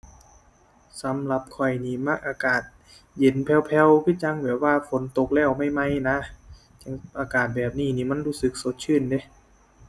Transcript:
สำหรับข้อยนี่มักอากาศเย็นแผ่วแผ่วคือจั่งแบบว่าฝนตกแล้วใหม่ใหม่นะ จั่งอากาศแบบนี้นี่มันรู้สึกสดชื่นแหม